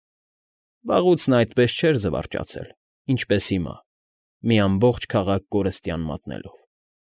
Վաղուց նա այդպես չէր զվարճացել, ինչպես հիմա՝ մի ամբողջ քաղաք կորստյան մատնելով։